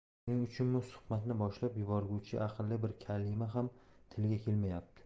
shuning uchunmi suhbatni boshlab yuborguvchi aqalli bir kalima ham tilga kelmayapti